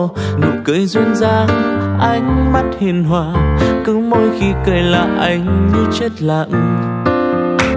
nụ cười duyên dáng ánh mắt hiền hòa cứ mỗi khi cười là anh như chết lặng nụ cười duyên dáng ánh mắt hiền hòa cứ mỗi khi cười là anh như chết lặng